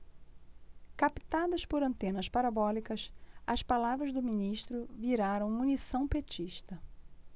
captadas por antenas parabólicas as palavras do ministro viraram munição petista